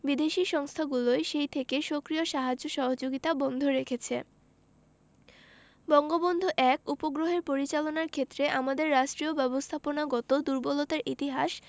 বিদেশি সংস্থাগুলো সেই থেকে সক্রিয় সাহায্য সহযোগিতা বন্ধ রেখেছে বঙ্গবন্ধু ১ উপগ্রহের পরিচালনার ক্ষেত্রে আমাদের রাষ্ট্রীয় ব্যবস্থাপনাগত দূর্বলতার ইতিহাস